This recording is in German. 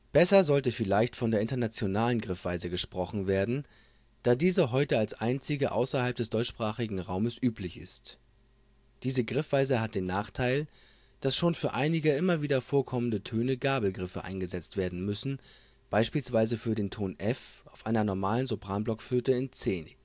Besser sollte vielleicht von der internationalen Griffweise gesprochen werden, da diese heute als einzige außerhalb des deutschsprachigen Raumes üblich ist. Diese Griffweise hat den Nachteil, dass schon für einige immer wieder vorkommende Töne Gabelgriffe eingesetzt werden müssen, beispielsweise für den Ton f auf einer normalen Sopran-Blockflöte in c.